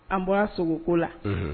An bɔra sogo ko la, unhun.